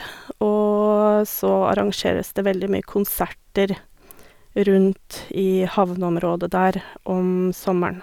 Og så arrangeres det veldig mye konserter rundt i havneområdet der om sommeren.